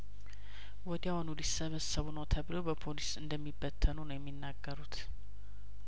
ወዲያውኑ ሊሰበሰቡ ነው ተብሎ በፖሊስ እንደሚበተኑ ነው የሚናገሩት